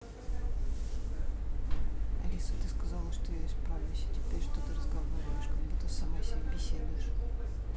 алиса ты сказала что я исправлюсь а теперь что ты разговариваешь как будто сама себе беседуешь